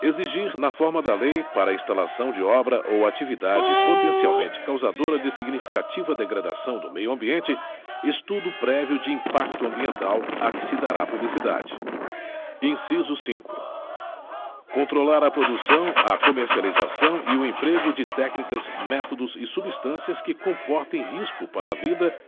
exigir na forma da lei para instalação de obra ou atividade potencialmente causadora de significativa degradação do meio ambiente estudo prévio de impacto ambiental a que se dará publicidade inciso cinco controlar a produção a comercialização e o emprego de técnicas métodos e substâncias que comportem risco para a vida